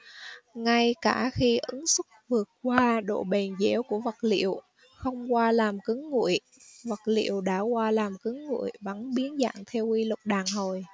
ngay cả khi ứng suất vượt qua độ bền dẻo của vật liệu không qua làm cứng nguội vật liệu đã qua làm cứng nguội vẫn biến dạng theo quy luật đàn hồi